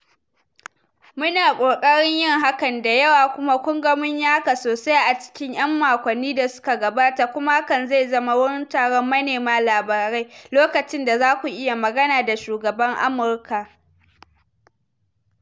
"Muna ƙoƙarin yin hakan da yawa kuma kun ga mun yi haka sosai a cikin 'yan makonnin da suka gabata kuma hakan zai zama wurin taron manema labarai lokacin da za ku iya magana da shugaban Amurka."